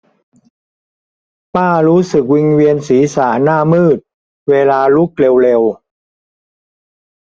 ป้ารู้สึกวิงเวียนศีรษะหน้ามืดเวลาลุกเร็วเร็ว